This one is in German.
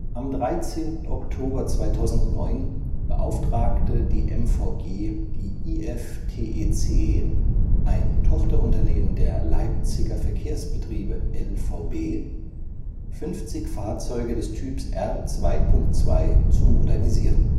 Am 13. Oktober 2009 beauftragte die MVG die IFTEC, ein Tochterunternehmen der Leipziger Verkehrsbetriebe (LVB), 50 Fahrzeuge des Typs R 2.2 zu modernisieren